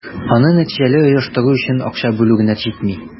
Аны нәтиҗәле оештыру өчен акча бүлү генә җитми.